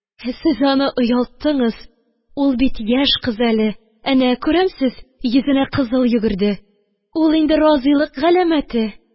Сез аны оялттыңыз, ул бит яшь кыз әле, әнә, күрәмсез, йөзенә кызыл йөгерде, ул инде разыйлык галәмәте.